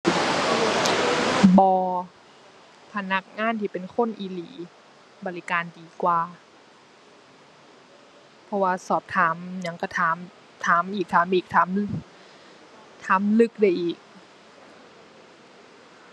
บ่ พนักงานที่เป็นคนอีหลีบริการดีกว่า เพราะว่าสอบถามหยังก็ถาม ถามอีก ถามอีก ถาม ถามลึกได้อีก